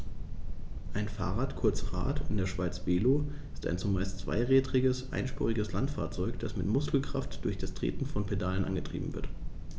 Ein Fahrrad, kurz Rad, in der Schweiz Velo, ist ein zumeist zweirädriges einspuriges Landfahrzeug, das mit Muskelkraft durch das Treten von Pedalen angetrieben wird.